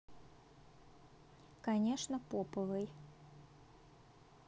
конечно поповой